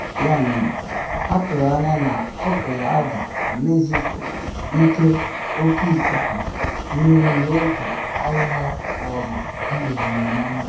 Ya mere, atụrụ anya na ọ ga-ada na Mexico n’ike oke ikuku mmiri n’oge ehihie ma ọ bụ mgbede na Mọnde.